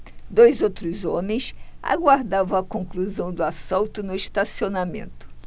dois outros homens aguardavam a conclusão do assalto no estacionamento